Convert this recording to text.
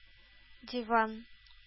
Диван